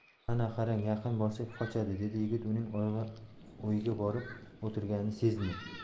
ana qarang yaqin borsak qochadi dedi yigit uning o'yga borib o'tirganini sezmay